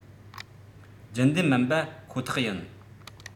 རྒྱུན ལྡན མིན པ ཁོ ཐག ཡིན